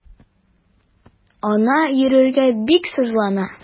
Ана йөрәге бик сызлана.